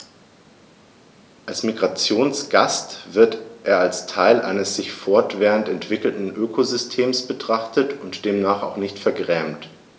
Als Migrationsgast wird er als Teil eines sich fortwährend entwickelnden Ökosystems betrachtet und demnach auch nicht vergrämt.